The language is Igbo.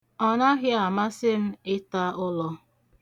Ọ naghị amasị m ịta ụlọ.